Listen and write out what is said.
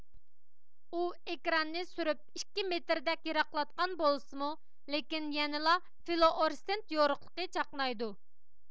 ئۇ ئېكراننى سۈرۈپ ئىككى مېتىردەك يىراقلاتقان بولسىمۇ لېكىن يەنىلا فلۇئورسېنت يورۇقلۇقى چاقنايدۇ